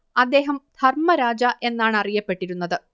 അദ്ദേഹം ധർമ്മരാജ എന്നാണറിയപ്പെട്ടിരുന്നത്